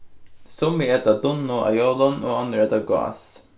summi eta dunnu á jólum og onnur eta gás